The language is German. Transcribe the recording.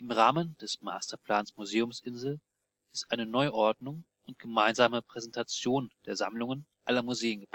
Rahmen des Masterplans Museumsinsel ist eine Neuordnung und gemeinsame Präsentation der Sammlungen aller Museen